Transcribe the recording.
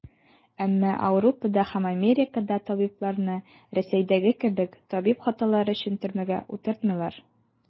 Әмма Ауропада һәм Америкада табибларны, Рәсәйдәге кебек, табиб хаталары өчен төрмәгә утыртмыйлар.